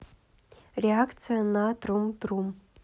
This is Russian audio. реакция на трум трум